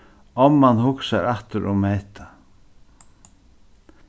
omman hugsar aftur um hetta